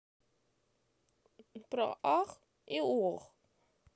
про ах и ох